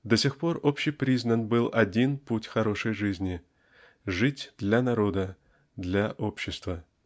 До сих пор общепризнан был один путь хорошей жизни -- жить для народа для общества